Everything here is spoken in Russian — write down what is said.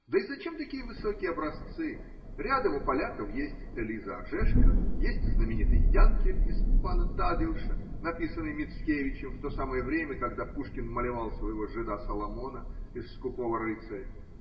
Да и зачем такие высокие образцы: рядом у поляков есть Элиза Ожешко, есть знаменитый Янкель из Пана Тадеуша, написанный Мицкевичем в то самое время, когда Пушкин малевал своего жида Соломона из Скупого рыцаря.